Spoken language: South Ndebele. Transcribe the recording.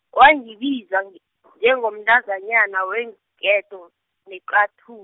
wangibiza nje, njengomntazanyana weenketo, neqathu-.